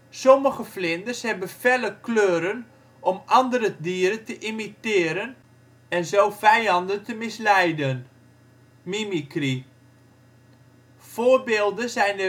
Sommige vlinders hebben felle kleuren om andere dieren te imiteren en zo vijanden misleiden (mimicry). Voorbeelden zijn